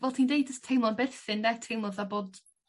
fel ti'n deud jys teimlo'n berthyn 'de teimlo fel bod